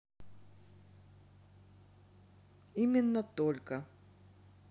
именно только